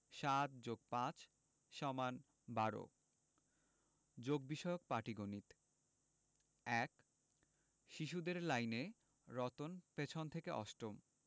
৭+৫ = ১২ যোগ বিষয়ক পাটিগনিত ১ শিশুদের লাইনে রতন পিছন থেকে অষ্টম